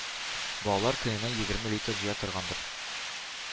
Балалар көненә егерме литр җыя торгандыр.